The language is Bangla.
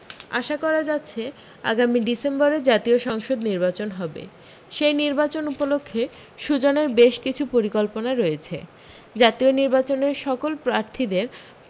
আশা করা যাচ্ছে আগামী ডিসেম্বরে জাতীয় সংসদ নির্বাচন হবে সেই নির্বাচন উপলক্ষ্যে সুজনের বেশ কিছু পরিকল্পনা রয়েছে জাতীয় নির্বাচনের সকল প্রার্থীদের